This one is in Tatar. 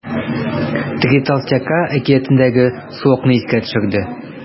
“три толстяка” әкиятендәге суокны искә төшерде.